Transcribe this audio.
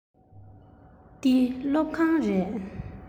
འདི སློབ ཁང རེད